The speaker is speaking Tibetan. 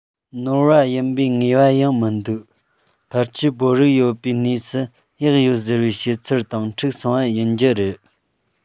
ནོར བ ཡིན པའི ངེས པ ཡང མི འདུག ཕལ ཆེར བོད རིགས ཡོད པའི གནས སུ གཡག ཡོད ཟེར བའི བཤད ཚུལ དང འཁྲུག སོང བ ཡིན རྒྱུ རེད